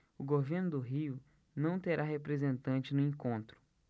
o governo do rio não terá representante no encontro